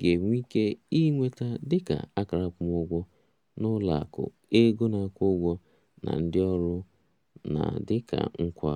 ga-enwe ike ịnweta dị ka akara akwụmụgwọ na ụlọ akụ, ego na-akwụ ụgwọ na ndị ọrụ na dị ka nkwa.